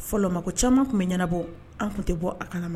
Fɔlɔ mako caman tun be ɲɛnabɔ an tun te bɔ a kalama